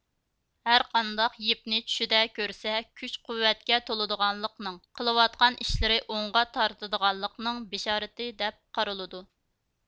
ھەرقانداق يىپنى چۈشىدە كۆرسە كۈچ قۈۋۋەتكە تولىدىغانلىقنىڭ قىلىۋاتقان ئىشلىرى ئوڭغا تارتىدىغانلىقنىڭ بىشارىتى دەپ قارىلىدۇ